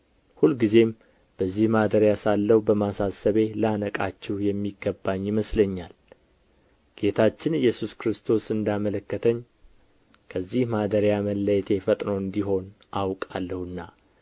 ሁልጊዜም በዚህ ማደሪያ ሳለሁ በማሳሰቤ ላነቃችሁ የሚገባኝ ይመስለኛል ጌታችን ኢየሱስ ክርስቶስ እንዳመለከተኝ ከዚህ ማደሪያዬ መለየቴ ፈጥኖ እንዲሆን አውቃለሁና